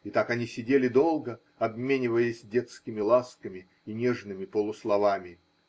И так они сидели долго, обмениваясь детскими ласками и нежными полусловами.